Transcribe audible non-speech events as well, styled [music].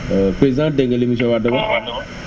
[hesitation] président dégg nga li monsieur Wade wax [noise] Wade wax